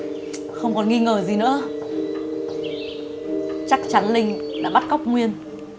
không còn nghi ngờ gì nữa chắc chắn linh đã bắt cóc nguyên